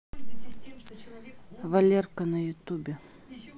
валерка на ютубе